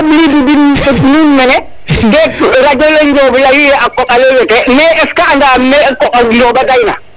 me an xebli du din nuun mene te radio le Diob leyu ye a koɓale wete mais est ce que anda me koɓ Ndiob a deyna